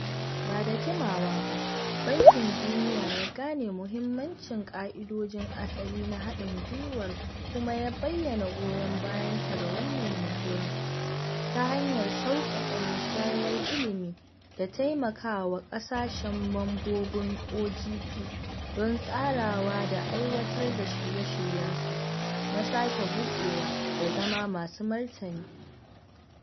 Ba da jimawa ba, Bankin Duniya ya gane muhimmancin ƙa'idojin asali na haɗin gwiwar kuma ya bayyana goyon bayansa ga wannan yunƙurin "ta hanyar sauƙaƙe musayar ilimi da taimaka wa ƙasashe mambobin OGP don tsarawa da aiwatar da shirye-shiryensu na sake buɗewa da zama masu martani."